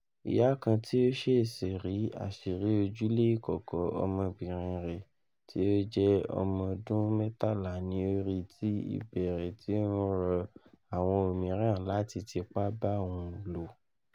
Iya kan ti o ṣesi ri aṣiri ojule ikọkọ ọmọbinrin rẹ ti o jẹ ọmọdun mẹtala ni o ri ti ibẹẹrẹ ti o n rọ awọn omiiran lati ‘’tipa ba oun lo.”